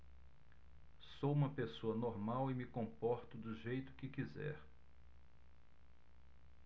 sou homossexual e me comporto do jeito que quiser